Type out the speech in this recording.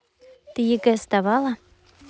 ты егэ сдавала